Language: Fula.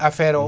affaire o